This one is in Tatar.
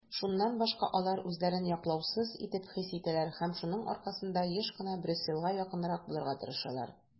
Шуннан башка алар үзләрен яклаусыз итеп хис итәләр һәм шуның аркасында еш кына Брюссельгә якынрак булырга тырышалар.